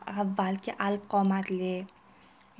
avvalgi alp qomatli